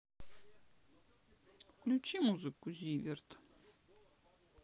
включи музыку зиверт